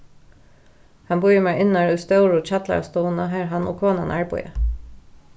hann býður mær innar í stóru kjallarastovuna har hann og konan arbeiða